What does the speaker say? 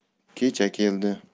kecha keldi